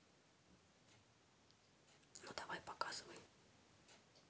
ну давай показывай